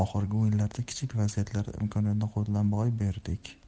o'yinlarda kichik vaziyatlarda imkoniyatni qo'ldan boy berdik